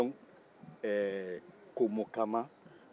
dɔnc ɛɛ komokaama